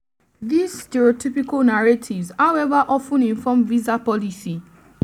These stereotypical narratives, however, often inform visa policy: